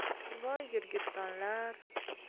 voy girgittonlar